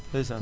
ndeysaan